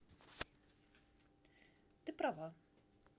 ты права